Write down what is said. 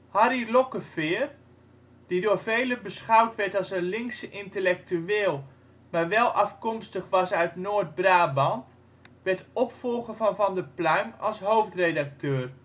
Harry Lockefeer, die door velen beschouwd werd als een linkse intellectueel maar wel afkomstig was uit Noord-Brabant, werd opvolger van Van der Pluijm als hoofdredacteur